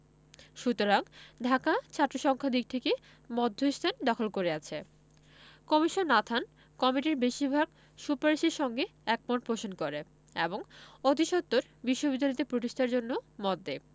সুতরাং ঢাকা ছাত্রসংখ্যার দিক থেকে মধ্যস্থান দখল করে আছে কমিশন নাথান কমিটির বেশির ভাগ সুপারিশের সঙ্গে একমত পোষণ করে এবং অতিসত্বর বিশ্ববিদ্যালয়টি প্রতিষ্ঠার জন্য মত দেয়